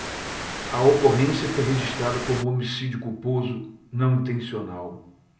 a ocorrência foi registrada como homicídio culposo não intencional